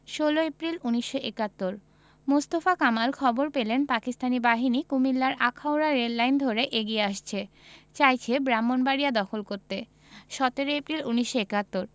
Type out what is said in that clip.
১৬ April ১৯৭১ Mostafa Kamal খবর পেলেন পাকিস্তানি বাহিনী কুমিল্লার আখাউড়া রেললাইন ধরে এগিয়ে আসছে চাইছে ব্রাহ্মনবাড়িয়া দখল করতে ১৭ এপ্রিল ১৯৭১